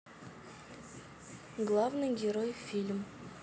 главный герой фильм